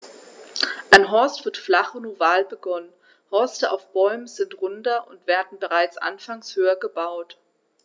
Ein Horst wird flach und oval begonnen, Horste auf Bäumen sind runder und werden bereits anfangs höher gebaut.